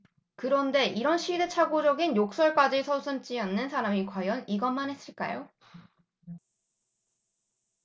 그런데 이런 시대착오적인 욕설까지 서슴지 않는 사람이 과연 이것만 했을까요